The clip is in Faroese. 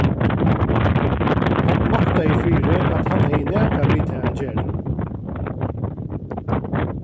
hann noktaði fyri at hann hevði nakað við tað at gera